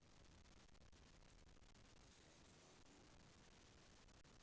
а я не могу